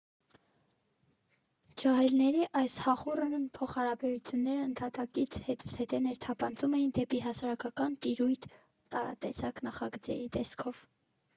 «Ջահելների» այս հախուռն փոխհարաբերությունները ընդհատակից հետզհետե ներթափանցում էին դեպի հասարակական տիրույթ տարատեսակ նախագծերի տեսքով։